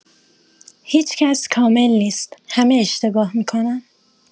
هیچ‌کس کامل نیست همه اشتباه می‌کنن